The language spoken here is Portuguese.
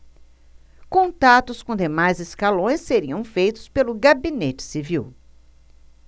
contatos com demais escalões seriam feitos pelo gabinete civil